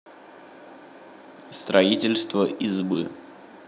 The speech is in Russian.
строительство избы